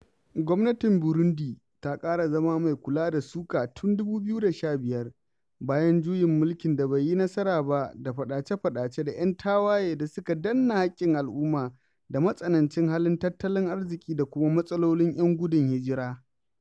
Gwamnatin Burundi ta ƙara zama mai kula da suka tun 2015, bayan juyin mulkin da bai yi nasara ba dafaɗace-faɗace da 'yan tawaye da suka danne haƙƙin al'umma da matsanancin halin tattalin arziƙi da kuma matsalolin 'yan gudun hijira.